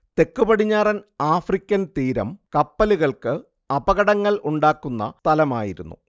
തെക്കുപടിഞ്ഞാറൻ ആഫ്രിക്കൻ തീരം കപ്പലുകൾക്ക് അപകടങ്ങൾ ഉണ്ടാക്കുന്ന സ്ഥലമായിരുന്നു